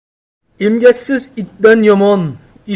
emgaksiz itdan yomon